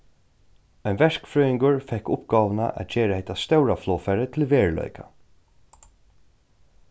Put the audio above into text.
ein verkfrøðingur fekk uppgávuna at gera hetta stóra flogfarið til veruleika